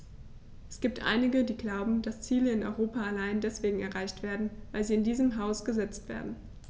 Es gibt einige, die glauben, dass Ziele in Europa allein deswegen erreicht werden, weil sie in diesem Haus gesetzt werden.